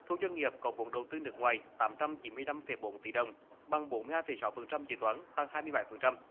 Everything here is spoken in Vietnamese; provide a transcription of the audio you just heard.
thu doanh nghiệp có vốn đầu tư nước ngoài tám trăm chín mươi lăm phẩy bốn tỷ đồng bằng bốn mươi hai phẩy sáu phần trăm dự toán tăng hai mươi bảy phần trăm